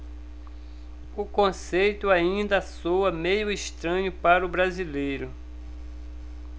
o conceito ainda soa meio estranho para o brasileiro